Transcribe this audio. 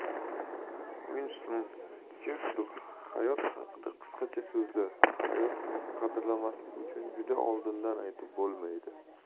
uinston cherchill hayot haqida qisqacha so'zlar hayot uni qadrlamaslik uchun juda oldindan aytib bo'lmaydi